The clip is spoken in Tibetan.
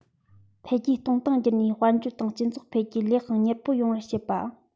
འཕེལ རྒྱས གཏོང སྟངས བསྒྱུར ནས དཔལ འབྱོར དང སྤྱི ཚོགས འཕེལ རྒྱས ལེགས ཤིང མྱུར པོ ཡོང བར བྱེད པ